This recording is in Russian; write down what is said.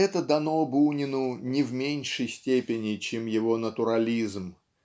это дано Бунину не в меньшей степени чем его натурализм